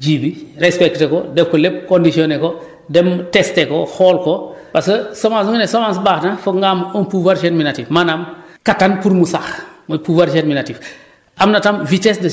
ji bi respecté ko def ko lépp conditionné ko dem testé ko xool ko parce que semence bi nga ne semence baax na foog nga am un pouvoir germinatif maanaam kattan pour mu sax mooy pouvoir germinatif